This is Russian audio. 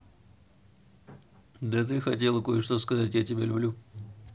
да ты хотела кое что сказать я тебя люблю